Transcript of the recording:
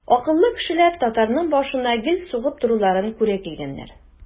Акыллы кешеләр татарның башына гел сугып торуларын күрә килгәннәр.